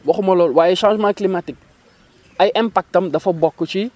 waxuma loolu waaye changement climatique ay impact am dafa bokk ci